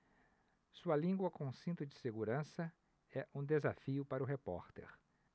sua língua com cinto de segurança é um desafio para o repórter